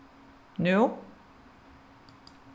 nú